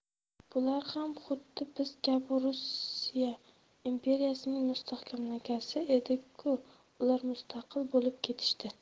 bular ham xuddi biz kabi rusiya imperiyasining mustamlakalari edi ku ular mustaqil bo'lib ketishdi